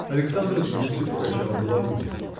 Александр с грустью покачал головой.